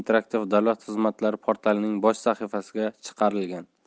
interaktiv davlat xizmatlari portalining bosh sahifasiga chiqarilgan